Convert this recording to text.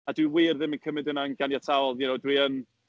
A dwi wir ddim yn cymryd hynna'n ganiataol, you know, dwi yn...